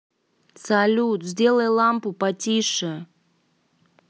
салют сделай лампу потише